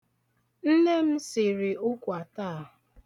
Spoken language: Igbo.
Nne m siri ụkwa taa.